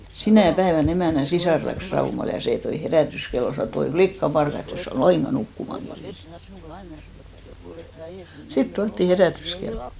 sinä päivänä emännän sisar lähti Raumalle ja se toi herätyskellon sanoi että oi likkaparka että et sinä ole lainkaan nukkumaan kerinnyt sitten tuotiin herätyskello